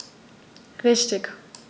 Richtig